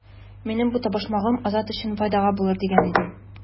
Минем бу табышмагым Азат өчен файдага булыр дигән идем.